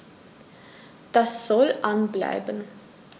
Das soll an bleiben.